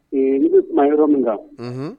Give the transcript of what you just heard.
Ne bɛ tun yɔrɔ min kan